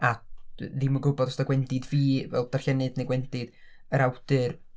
a dd- ddim yn gwybod os ta gwendid fi fel darllennydd neu gwendid yr awdur.